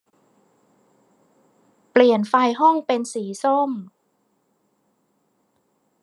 เปลี่ยนไฟห้องเป็นสีส้ม